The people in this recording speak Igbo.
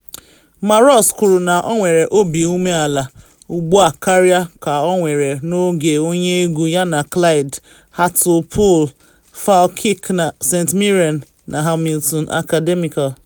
Ma Ross kwuru na ọ nwere obi ume ala ugbu a karia ka ọ nwere n’oge onye egwu ya na Clyde, Hartlepool, Falkirk, St Mirren na Hamilton Academical.